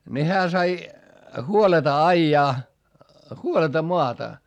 niin hän sai huoletta ajaa huoletta maata